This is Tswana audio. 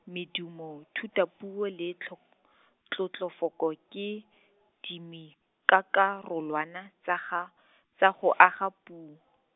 medumo, thutapuo le tlho- , tlotlofoko ke, dimikakarolwana, tsa ga , tsa go aga puo.